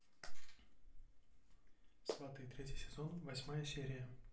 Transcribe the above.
сваты третий сезон восьмая серия